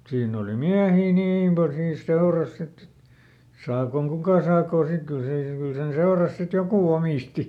siinä oli miehiä niin paljon siinä seurassa sitten että saakoon kuka saakoon sitten kyllä se kyllä sen seurassa sitten joku omisti